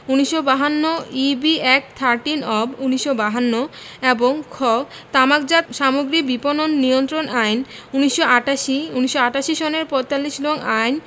১৯৫২ E B act thirteen of ১৯৫২ এবং খ তামাকজাত সামগ্রী বিপণন নিয়ন্ত্রণ আইন ১৯৮৮ ১৯৮৮ সনের ৪৫ নং আইন